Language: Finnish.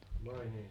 vai niin